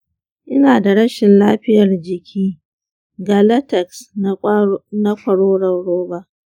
ina da rashin lafiyar jiki ga latex na kwaroron roba.